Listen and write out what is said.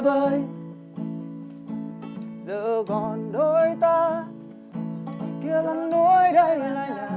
vơi giờ còn đôi ra kia là núi đây là nhà